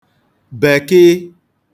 bèkịị